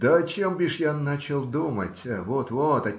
Да, о чем, бишь, я начал думать? Вот, вот